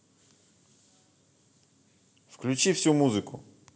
включи всю музыку